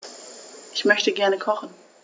Ich möchte gerne kochen.